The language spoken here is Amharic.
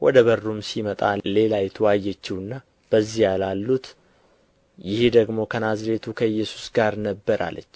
ብሎ በሁሉ ፊት ካደ ወደ በሩም ሲወጣ ሌላይቱ አየችውና በዚያ ላሉት ይህ ደግሞ ከናዝሬቱ ከኢየሱስ ጋር ነበረ አለች